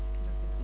dëgg la